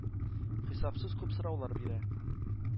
Хисапсыз күп сораулар бирә,